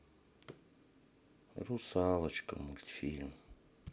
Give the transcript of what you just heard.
русалочка мультфильм